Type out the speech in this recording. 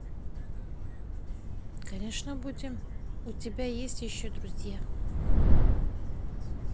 конечно будем у тебя есть еще друзья